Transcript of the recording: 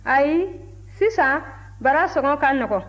ayi sisan bara sɔngɔ ka nɔgɔn